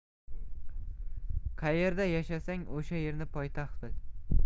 qayerda yashasang o'sha yerni poytaxt bil